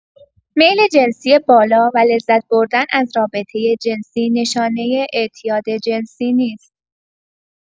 میل جنسی بالا و لذت‌بردن از رابطه جنسی نشانه اعتیاد جنسی نیست.